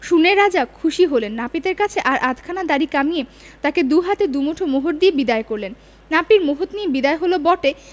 শুনে রাজা খুশি হলেন নাপিতের কাছে আর আধখানা দাড়ি কামিয়ে তাকে দু হাতে দু মুঠো মোহর দিয়ে বিদায় করলেন নাপিত মোহর নিয়ে বিদায় হল বটে